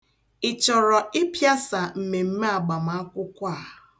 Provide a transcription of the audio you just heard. Ị chọrọ ịpịasa mmemme agbamakwụkwọ a?